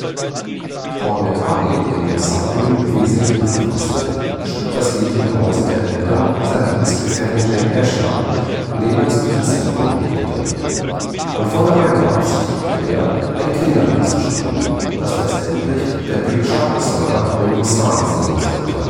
Paul McCartney, der „ Yellow Submarine “im Wesentlichen verfasste, schrieb das Lied im Haus der Eltern von Jane Asher, in dem er zu diesem Zeitpunkt lebte. Von vornherein beabsichtigte er ein Kinderlied zu schreiben, das letztendlich der Beatles-Schlagzeuger Ringo Starr singen sollte